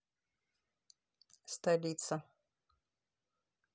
столица